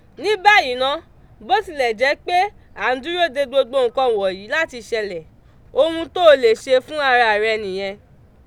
Ní báyìí ná, bó tilẹ̀ jẹ́ pé à ń dúró de gbogbo nǹkan wọ̀nyí láti ṣẹlẹ̀, ohun tó o lè ṣe fún ara rẹ nìyẹn.